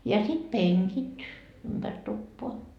ja sitten penkit ympäri tupaa